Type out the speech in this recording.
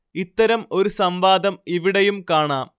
ഇത്തരം ഒരു സം‌വാദം ഇവിടെയും കാണാം